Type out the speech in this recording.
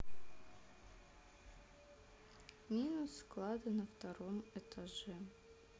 минус склада на втором этаже